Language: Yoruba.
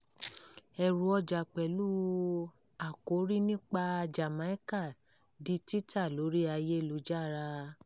Ẹrù ọjà pẹ̀lú àkórí nípa Jamaica di títà lórí ayélujára